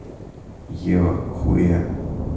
ева хуя